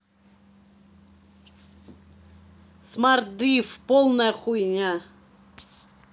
smartdev полная хуйня